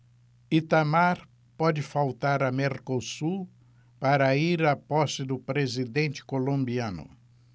itamar pode faltar a mercosul para ir à posse do presidente colombiano